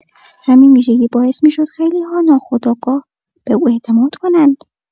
همین ویژگی باعث می‌شد خیلی‌ها ناخودآگاه به او اعتماد کنند.